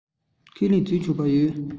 ཁས ལེན བྱས ཆོག གི ཡོད